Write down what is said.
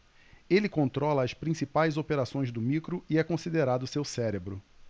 ele controla as principais operações do micro e é considerado seu cérebro